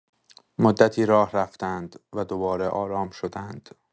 مدتی راه رفتند و دوباره آرام شدند.